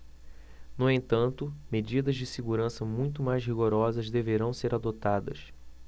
no entanto medidas de segurança muito mais rigorosas deverão ser adotadas